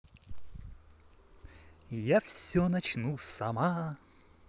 я все начну сама